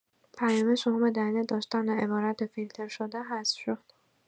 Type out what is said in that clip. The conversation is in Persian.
پیام شما به دلیل داشتن عبارت فیلتر شده حذف شد!